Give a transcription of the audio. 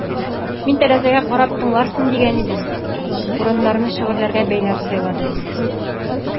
Мин тәрәзәгә карап тыңларсыз дигән идем: урыннарны шигырьләргә бәйләп сайладым.